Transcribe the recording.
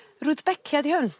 Rudbeckia 'di hwn